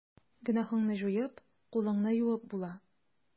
Гөнаһыңны җуеп, кулыңны юып була.